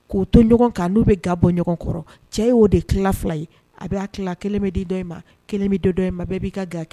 K'o toɲɔgɔn kan n'u bɛ ga bɔ ɲɔgɔn kɔrɔ cɛ ye oo de tila fila ye a bɛ'a tila kelen bɛ di dɔ in ma kelen bɛ di dɔ in ma bɛɛ b'i ka ga kɛ